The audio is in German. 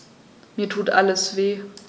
Mir tut alles weh.